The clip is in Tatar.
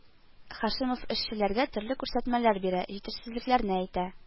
Һашимов эшчеләргә төрле күрсәтмәләр бирә, җитеш-сезлекләрне әйтә